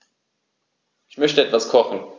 Ich möchte etwas kochen.